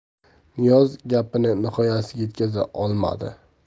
niyoz gapini nihoyasiga yetkaza olmadi